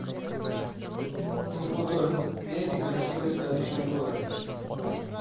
нехудожник песня красивый сказочный город